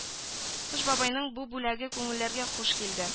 Кыш бабайның бу бүләге күңелләргә хуш килде